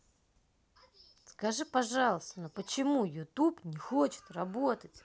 скажи пожалуйста ну почему youtube не хочет работать